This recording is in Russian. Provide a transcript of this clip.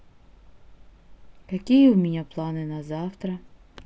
какие у меня планы на завтра